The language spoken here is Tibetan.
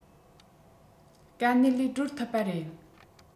དཀའ གནད ལས སྒྲོལ ཐུབ པ རེད